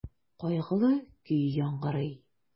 Кайгылы көй яңгырый.